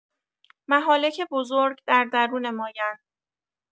مهالک بزرگ در درون مایند.